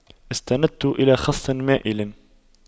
استندت إلى خصٍ مائلٍ